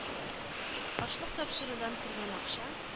Ашлык тапшырудан кергән акча